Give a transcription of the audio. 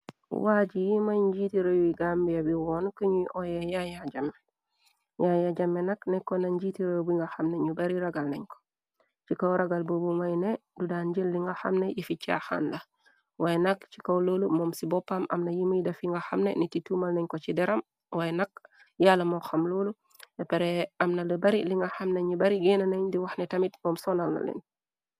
Waaji yi mëy njiiti reyuy gàmbia bi woon ki ñuy oye yaya jame yaya jamme nak nekko na njiiti row bi nga xamnañu bari ragal nañ ko ci kow ragal bubu ngay ne du daan njël li nga xam ne yafi caaxaan la waay nak ci kow loolu moom ci boppam amna yimuy dafi nga xamne niti tuumal nañ ko ci deram waay nak yàlla mo xam loolu depre amna la bari li nga xamnañu bari genna nañ di waxne tamit moom sonal na leen.